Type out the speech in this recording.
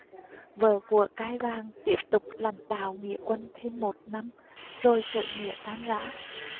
vợ của cai vàng tiếp tục lãng đạo nghĩa quân thêm một năm rồi khởi nghĩa tan rã